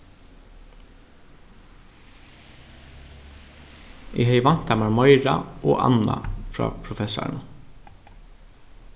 eg hevði væntað mær meira og annað frá professaranum